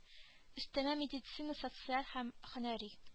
Өстәмә медицина социаль һәм һөнәри